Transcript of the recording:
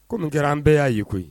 Ko min kɛra , an bɛɛ y'a ye koyi!